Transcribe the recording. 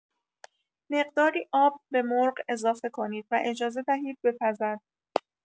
مقداری آب به مرغ اضافه کنید و اجازه دهید بپزد.